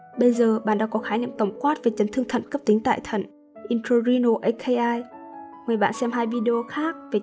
bây giờ bạn đã có khái niệm tổng quát về chấn thương thận cấptính tại thận mời bạn xem hai video khác về